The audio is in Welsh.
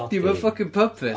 odi... Dim y ffycin puppet? o-